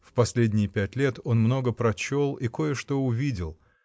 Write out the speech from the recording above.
В последние пять лет он много прочел и кое-что увидел